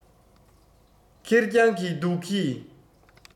ཁེར རྐྱང གི སྡུག གིས